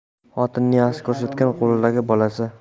xotinni yaxshi ko'rsatgan qo'lidagi bolasi